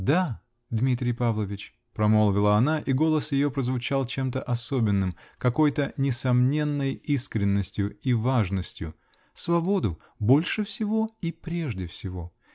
-- Да, Дмитрий Павлович, -- промолвила она, и голос ее прозвучал чем-то особенным, какой-то несомненной искренностью и важностью, -- свободу, больше всего и прежде всего.